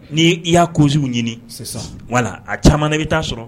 Ni i y'a kosiw ɲini wala a caman ne bɛ taa sɔrɔ